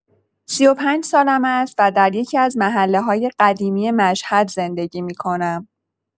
سی و پنج سالم است و در یکی‌از محله‌های قدیمی مشهد زندگی می‌کنم.